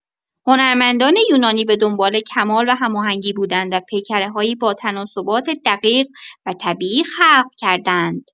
هنرمندان یونانی به دنبال کمال و هماهنگی بودند و پیکره‌هایی با تناسبات دقیق و طبیعی خلق کردند.